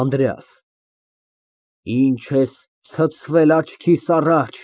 ԱՆԴՐԵԱՍ ֊ Ի՞նչ ես ցցվել աչքիս առաջ։